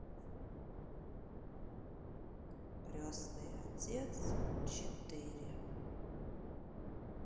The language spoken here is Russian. крестный отец четыре